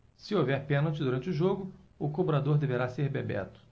se houver pênalti durante o jogo o cobrador deverá ser bebeto